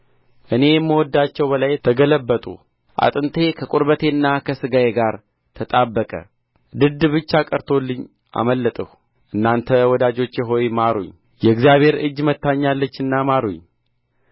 እኔ የምወድዳቸው በላዬ ተገለበጡ አጥንቴ ከቁርበቴና ከሥጋዬ ጋር ተጣበቀ ድድ ብቻ ቀርቶልኝ አመለጥሁ እናንተ ወዳጆቼ ሆይ ማሩኝ የእግዚአብሔር እጅ መትታኛለችና ማሩኝ